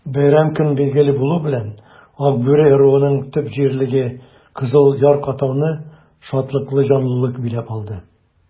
Бәйрәм көне билгеле булу белән, Акбүре ыруының төп җирлеге Кызыл Яр-катауны шатлыклы җанлылык биләп алды.